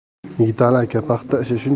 yigitali aka paxta ishi